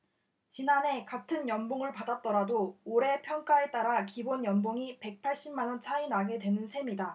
지난해 같은 연봉을 받았더라도 올해 평가에 따라 기본연봉이 백 팔십 만원 차이 나게 되는 셈이다